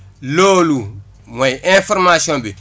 loolu mooy information bi